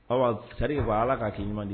Awri ka bɔ ala k ka' k'i ɲuman di